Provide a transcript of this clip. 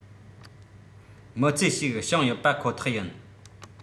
མི ཚེའི ཞིག བྱུང ཡོད པ ཁོ ཐག ཡིན